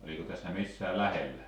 oliko tässä missään lähellä